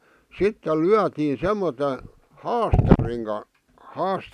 sitten lyötiin semmoisella haastarin --